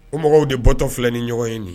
O mɔgɔw de bɔ tɔ filɛ ni ɲɔgɔn ye nin ye.